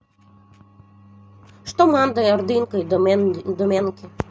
что monday ордынка и доменки